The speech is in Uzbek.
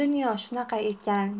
dunyo shunaqa ekan